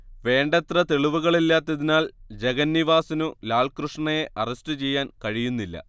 വേണ്ടത്ര തെളിവുകളില്ലാത്തതിനാൽ ജഗന്നിവാസനു ലാൽകൃഷ്ണയെ അറസ്റ്റു ചെയ്യാൻ കഴിയുന്നില്ല